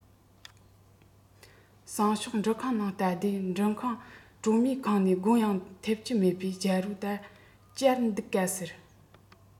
སང ཞོགས འབྲུ ཁང ནང ལྟ དུས འབྲུ ཁང གྲོ མས ཁེངས ནས སྒོ ཡང འཐེབ ཀྱི མེད པས རྒྱལ པོས ད བསྐྱལ འདུག ག ཟེར